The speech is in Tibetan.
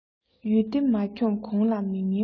ཡུལ སྡེ མ འཁྱོམས གོང ལ མི ངན ཕུད